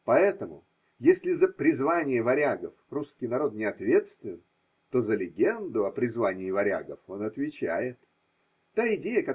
Поэтому, если за призвание варягов русский народ не ответствен, то за легенду о призвании варягов он отвечает. Та идея.